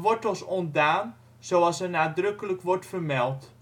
wortels ontdaan, zoals er nadrukkelijk bij wordt vermeld.